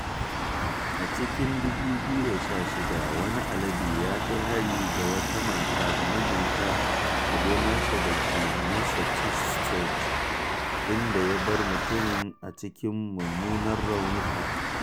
A cikin 2016, wani alade ya kai hari ga wata mata da mijinta a gonarsu da ke Massachusetts, inda ya bar mutumin a cikin munanan raunuka.